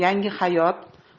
yangi hayot